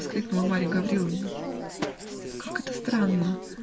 -- воскликнула Марья Гавриловна, -- как это странно!